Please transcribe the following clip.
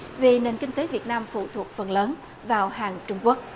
vì nền kinh tế việt nam phụ thuộc phần lớn vào hàng trung quốc